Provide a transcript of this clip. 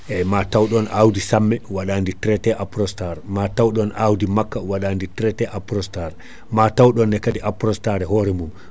eyyi ma taw ɗon awdi samme waɗadi traité Aprostar , ma tawɗon awdi makka waɗadi traité Aprostar ma tawɗon kaadi Aprostar e hoore mum